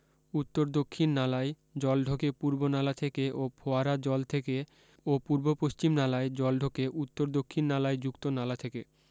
উত্তর দক্ষিণ নালায় জল ঢোকে পূর্বনালা থেকে ও ফোয়ারা জল থেকে ও পূর্ব পশ্চিম নালায় জল ঢোকে উত্তর দক্ষিণ নালায় যুক্ত নালা থেকে